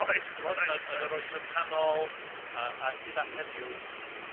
Oes... T'mod? ...oes oes. Yn yn yr Oesoedd Canol a a hyd at heddiw . Hmm.